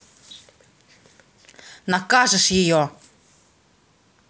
накажешь ее